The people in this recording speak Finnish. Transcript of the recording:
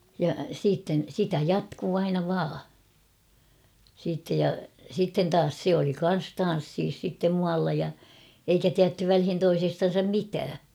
ja sitten sitä jatkui aina vain sitten ja sitten taas se oli kanssa tansseissa sitten muualla ja eikä tiedetty väliin toisestansa mitään